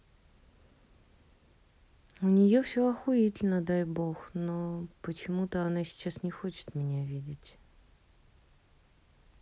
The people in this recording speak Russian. у нее все охуительно дай бог но почему то она сейчас не хочет меня видеть